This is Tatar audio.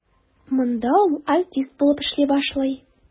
Монда ул артист булып эшли башлый.